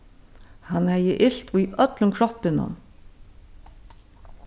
hann hevði ilt í øllum kroppinum